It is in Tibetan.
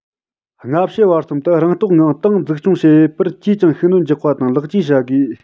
སྔ ཕྱི བར གསུམ དུ རང རྟོགས ངང ཏང འཛུགས སྐྱོང བྱེད པར ཅིས ཀྱང ཤུགས སྣོན རྒྱག པ དང ལེགས བཅོས བྱ དགོས